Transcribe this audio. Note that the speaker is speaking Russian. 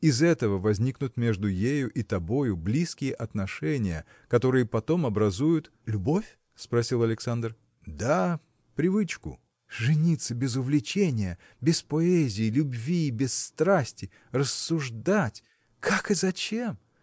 Из этого возникнут между ею и тобою близкие отношения которые потом образуют. – Любовь? – спросил Александр. – Да. привычку. – Жениться без увлечения без поэзии любви без страсти рассуждать как и зачем!!